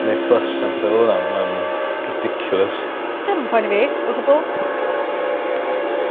neud fuss am petha fel 'a ma'n ridiculous. 'Dio'm yn poeni fi o gwbwl.